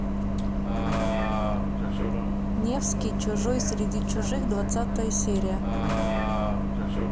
невский чужой среди чужих двадцатая серия